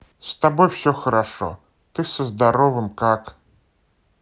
с тобой все хорошо ты со здоровым как